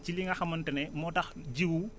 ci li nga xamante ne moo tax jiwu